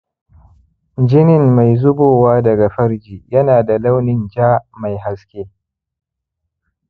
jinin mai zubowa daga farji ya na da launin ja mai haske